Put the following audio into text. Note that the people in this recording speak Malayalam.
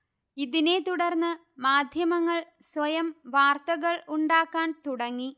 ഇതിനെ തുടർന്ന് മാധ്യമങ്ങൾ സ്വയം വാർത്തകൾ ഉണ്ടാക്കാൻ തുടങ്ങി